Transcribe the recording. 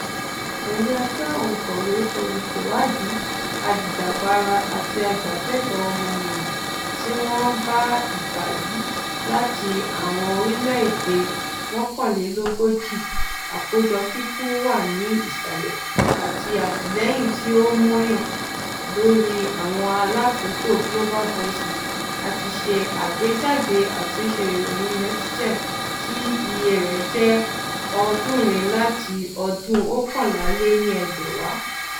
Pẹ̀lú ẹgbẹ́ òǹkọ̀wé, olùṣèwádìí, ajìjàgbara àti ajàfẹ́ẹtọ̀ọ́ ọmọnìyàn tí wọ́n ń bá ìgbà yí láti àwọn orílẹ̀ èdè mọ́kànlélógójì (àkójọ kíkún wà ní ìsàlẹ̀) àti àtìlẹ́yìn tí ó mọ́yán lórí àwọn alátúntò Global Voices, a ti ṣe àgbéjáde àtúnṣe ìròyìn Netizen tí iye rẹ̀ jẹ́ ọ̀ọ́dúnrún láti ọdún 2011.